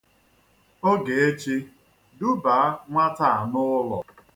Ogechi, dubaa nwata a n'ụlọ.